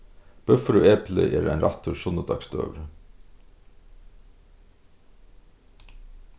búffur og epli er ein rættur sunnudagsdøgurði